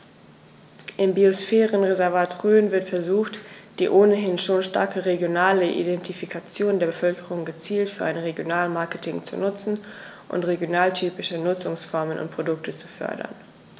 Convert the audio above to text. Im Biosphärenreservat Rhön wird versucht, die ohnehin schon starke regionale Identifikation der Bevölkerung gezielt für ein Regionalmarketing zu nutzen und regionaltypische Nutzungsformen und Produkte zu fördern.